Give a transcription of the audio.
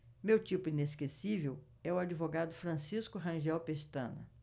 meu tipo inesquecível é o advogado francisco rangel pestana